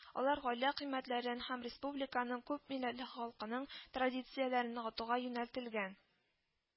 Алар гаилә кыйммәтләрен һәм республиканың күпмилләтле халкының традицияләрен ныгытуга юнәлтелгән